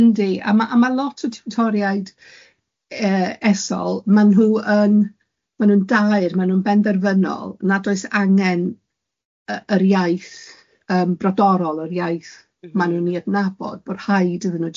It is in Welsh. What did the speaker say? yndi a ma ma lot o tiwtoriaid yy esol mae'n nhw yn mae'n nhw'n daer yn benderfynol nad oes angen y yr iaith brodorol yr iaith mae'n nhw'n ei adnabod bod haid iddyn nhw